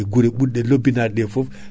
ha ko wiyate tinkke en